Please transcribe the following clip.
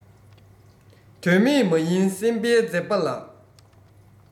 དོན མེད མ ཡིན སེམས དཔའི མཛད པ ལགས